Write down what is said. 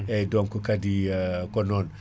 eyyi donc kaadi ko non